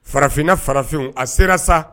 Farafinina farafinw a sera sa